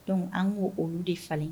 Dɔnku an k' olu de falen